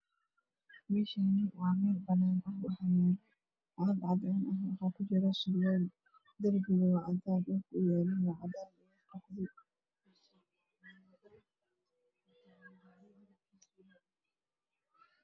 Meshani waa meel banaan waxaa yala caag cadan ah waxaa ku jira surwal derbiga waa cadan dhulka uu yalana waa cadan